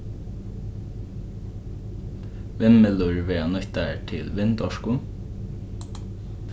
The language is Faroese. vindmyllur verða nýttar til vindorku